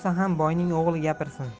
ham boyning o'g'li gapirsin